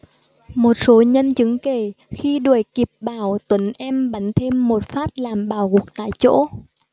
một số nhân chứng kể khi đuổi kịp bảo tuấn em bắn thêm một phát làm bảo gục tại chỗ